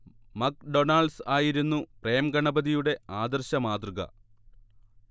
McDonald's ആയിരുന്നു പ്രേം ഗണപതിയുടെ ആദർശ മാതൃക